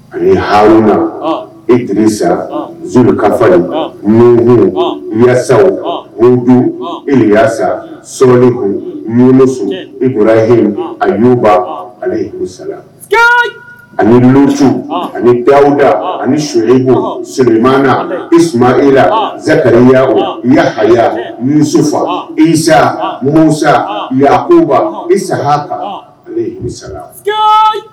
Ani hauna i sara z kalifafala nunu yasa woju e yaasa soinku nisu i bɔrayi aniba ale musala ani numu su ani bawuda ani so iku soman i su e la zanka ya o yaya musofa isa musa yakufa isahafa ale musa